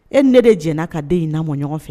E ne de jɛ a ka den in n lamɔma ɲɔgɔn fɛ